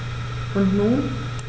Und nun?